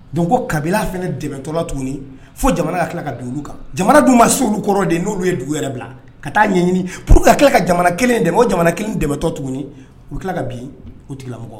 Don kabila fana dɛtɔ tuguni fo jamana ka tila ka dunun kan jamana dun ma se olu kɔrɔ de n'olu ye dugu yɛrɛ bila ka taa ɲɛ ɲini pur que ka tila ka jamana kelen dɛ o jamana dɛtɔ tuguni u tila ka bin u lamɔmɔgɔ